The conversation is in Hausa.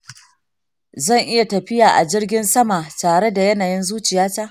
zan iya tafiya a jirgin sama tare da yanayin zuciyata?